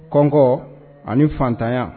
Kɔn ani fantanya